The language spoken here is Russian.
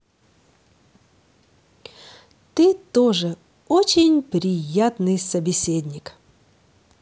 ты тоже очень приятный собеседник